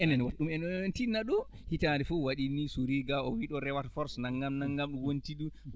enen wooto ɗumen enen tinna ɗo hitaande fof waɗi nii surii gaa o wiyi ɗoo o rewata force nanngam nanngam wonti ɗum